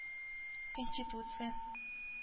Конституция